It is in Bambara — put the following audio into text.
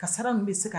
Kasaara min bɛ se ka